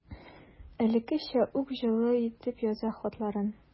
Элеккечә үк җылы итеп яза хатларын.